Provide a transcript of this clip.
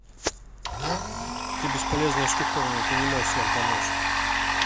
ты бесполезная штуковина ты не можешь нам помочь